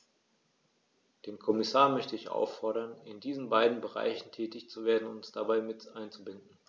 Den Kommissar möchte ich auffordern, in diesen beiden Bereichen tätig zu werden und uns dabei mit einzubinden.